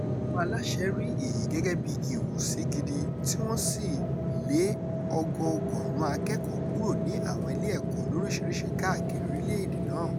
Àwọn aláṣẹ rí èyí gẹ́gẹ́ bí ìwọ̀sí gidi tí wọ́n sì lé ọgọọgọ̀rún akẹ́kọ̀ọ́ kúrò ní àwọn ilé ẹ̀kọ́ lóríṣìíríṣi káàkiri orílẹ̀-èdè náà.